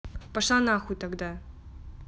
пошла нахуй тогда